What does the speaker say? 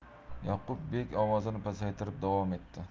yoqubbek ovozini pasaytirib davom etdi